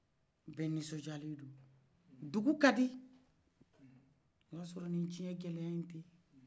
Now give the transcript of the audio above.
bɛnusɔ jalen do dugu kadi o ye sɔrɔ ni jɛn kɛlɛyaɲi tɛyi